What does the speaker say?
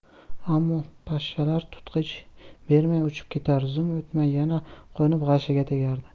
ammo pashshalar tutqich bermay uchib ketar zum o'tmay yana qo'nib g'ashiga tegardi